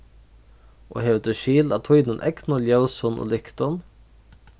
og hevur tú skil á tínum egnu ljósum og lyktum